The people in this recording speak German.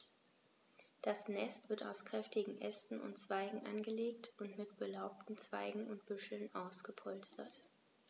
Das Nest wird aus kräftigen Ästen und Zweigen angelegt und mit belaubten Zweigen und Büscheln ausgepolstert.